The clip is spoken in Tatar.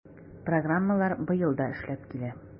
Программалар быел да эшләп килә.